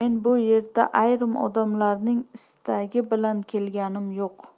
men bu yerga ayrim odamlarning istagi bilan kelganim yo'q